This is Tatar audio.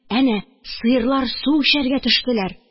Әнә сыерлар су эчәргә төштеләр...